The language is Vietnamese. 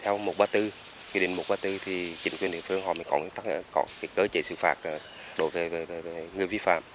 theo một ba tư nghị định một ba tư thì chính quyền địa phương họ có nguyên tắc có một cơ chế xử phạt đối với với người vi phạm